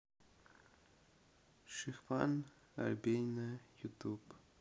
шихман арбенина ютуб